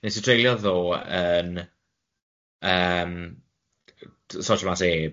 Nes i treulio ddo yn yym t- sortio mas